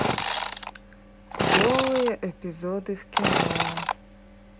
голые эпизоды в кино